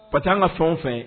Pa taa ka fɛn fɛ